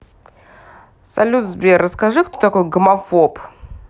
салют сбер расскажи кто такой гомофоб